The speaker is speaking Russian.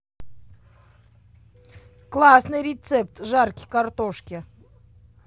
классный рецепт жарки картошки